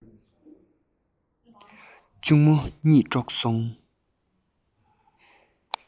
གཅུང མོའི གཉིད དཀྲོགས སོང